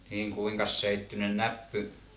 niin kuinkas seittyinen näppy